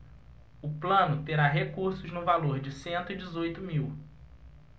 o plano terá recursos no valor de cento e dezoito mil